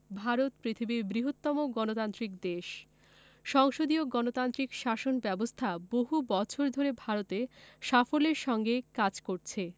ভারত পৃথিবীর বৃহত্তম গণতান্ত্রিক দেশ সংসদীয় গণতান্ত্রিক শাসন ব্যাবস্থা বহু বছর ধরে ভারতে সাফল্যের সঙ্গে কাজ করছে